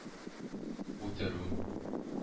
Үтерү